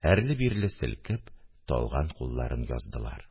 Әрле-бирле селкеп, талган кулларын яздылар